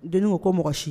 Deni ko mɔgɔ si